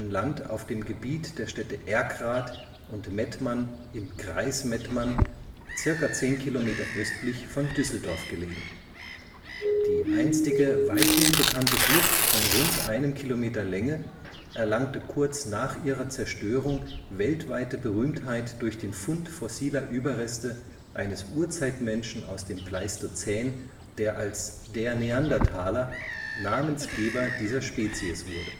Land auf dem Gebiet der Städte Erkrath und Mettmann im Kreis Mettmann, ca. 10 km östlich von Düsseldorf gelegen. Die einstige weithin bekannte Schlucht von rund einem Kilometer Länge erlangte kurz nach ihrer Zerstörung weltweite Berühmtheit durch den Fund fossiler Überreste eines Urzeitmenschen aus dem Pleistozän, der als der Neanderthaler Namensgeber dieser Spezies wurde